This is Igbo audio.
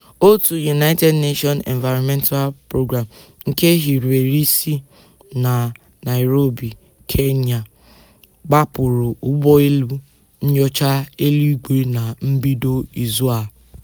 Otu United Nations Environment Programme, nke hiwere isi na Nairobi, Kenya, gbapụrụ ụgbọelu nnyocha eluigwe na mbido izu a.